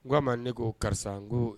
N k'a ma ne ko karisa ko